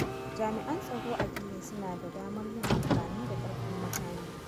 Karanta cigaba: Jami'an tsaro a Gini su na da damar yin amfani da ƙarfin makami.